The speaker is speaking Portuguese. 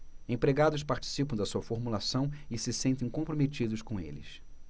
empregados participam da sua formulação e se sentem comprometidos com eles